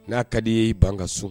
N'a ka di' ban ka so